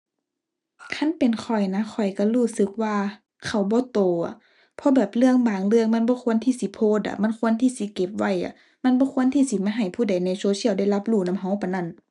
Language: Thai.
คันเป็นข้อยนะข้อยก็รู้สึกว่า เขาบ่โตอะ เพราะแบบเรื่องบางเรื่องมันบ่ควรที่สิโพสต์อะ มันควรที่สิเก็บไว้อะ มันบ่ควรที่สิมาให้ผู้ใดในโซเชียลได้รับรู้นำก็ปานนั้น